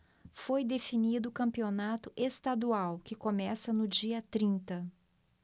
foi definido o campeonato estadual que começa no dia trinta